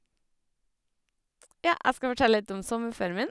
Ja, jeg skal fortelle litt om sommerferien min.